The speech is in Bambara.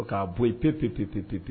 K' bɔ t----